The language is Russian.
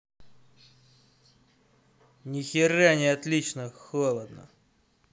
нихера не отлично холодно